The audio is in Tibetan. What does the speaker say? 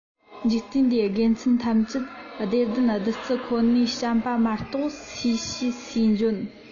འཇིག རྟེན འདིའི དགེ མཚན ཐམས ཅད བདེ ལྡན བདུད རྩི ཁོ ནས བྱས པ མ གཏོགས སུས བྱས སུས འཇོན